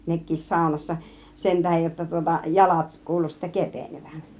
nekin saunassa sen tähden jotta tuota jalat kuului sitten kevenevän